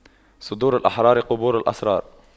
صدور الأحرار قبور الأسرار